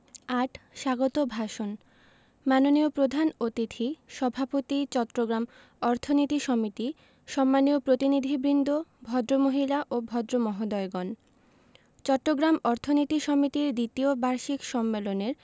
০৮ স্বাগত ভাষণ মাননীয় প্রধান অতিথি সভাপতি চট্টগ্রাম অর্থনীতি সমিতি সম্মানীয় প্রতিনিধিবৃন্দ ভদ্রমহিলা ও ভদ্রমহোদয়গণ চট্টগ্রাম অর্থনীতি সমিতির দ্বিতীয় বার্ষিক সম্মেলনের